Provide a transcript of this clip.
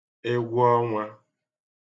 egwu ọnwā